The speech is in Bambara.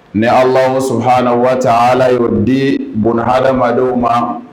Ni ala sɔn hala waa ala y'o di bon haladamadamadenw ma